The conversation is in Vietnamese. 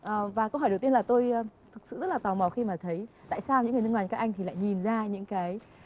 à và câu hỏi đầu tiên là tôi thực sự rất là tò mò khi mà thấy tại sao những người nước ngoài như các anh thì lại nhìn ra những cái